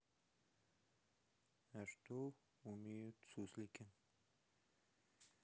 а что умеют суслики